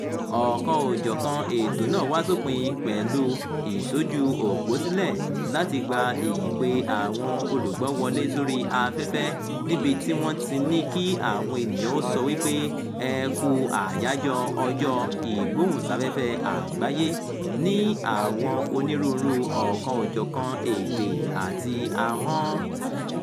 Ọ̀kan-ò-jọ̀kan ètò náà wá sópin pẹ̀lú ìṣójú òpó sílẹ̀ láti gba ìpè àwọn olùgbọ́ wọlé sórí afẹ́fẹ́, níbi tí wọ́n ti ní kí àwọn ènìyàn ó sọ wípé “ẹ kú Àyájọ́ Ọjọ́ Ẹ̀rọ-ìgbóhùnsáfẹ́fẹ́ Àgbáyé” ní àwọn onírúurú ọ̀kan-ò-jọ̀kan èdè àti ahọ́n: